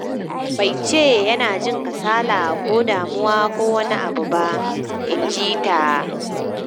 " "Bai ce yana jin kasala ko damuwa ko wani abu ba," in ji ta.